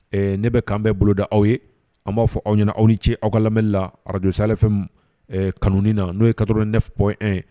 Ee ne bɛ kan bɛn boloda aw ye . An ba fɔ aw ɲɛna aw ni ce aw ka lamɛn la Radio sahel F M kanu ni na no ye 89.1 ye